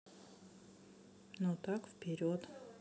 ну так вперед